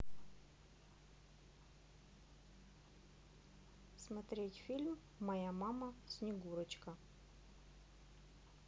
смотреть фильм моя мама снегурочка